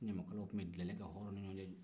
ɲamakalaw tun bɛ dilanni kɛ hɔrɔnw ni ɲɔgɔncɛ